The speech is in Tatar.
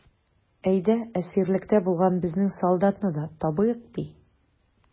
Әйдә, әсирлектә булган безнең солдатны да табыйк, ди.